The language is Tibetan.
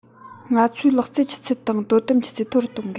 ང ཚོའི ལག རྩལ ཆུ ཚད དང དོ དམ ཆུ ཚད མཐོ རུ གཏོང དགོས